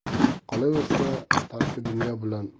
qolaversa tarki dunyo bilan